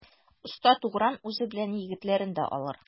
Оста Тугран үзе белән егетләрен дә алыр.